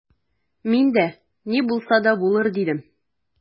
Мин дә: «Ни булса да булыр»,— дидем.